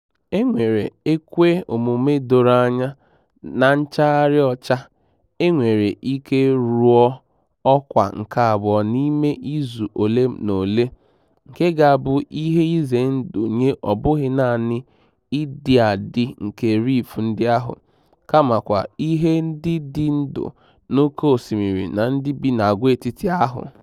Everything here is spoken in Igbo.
E nwere ekwe omume doro anya na nchaghari ọcha a nwere ike ruo ọkwa nke abụọ n'ime izu ole na ole, nke ga-abụ ihe ize ndụ nye ọbụghị naanị ịdị adị nke Reef ndị ahụ, kamakwa ihe ndị dị ndụ n'oké osimiri na ndị bi n'àgwàetiti ahụ.